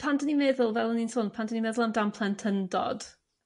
pan 'dyn ni'n meddwl fel o'n i'n son pan 'dyn ni'n meddwl am dan plentyndod,